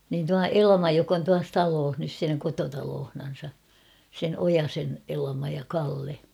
niin tuo Elma joka on tuossa talossa nyt siinä kotitalossansa sen Ojasen Elma ja Kalle